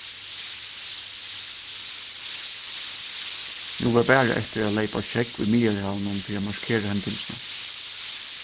nú var bara eftir at leypa á sjógv í miðjarðarhavinum fyri at markera hendingina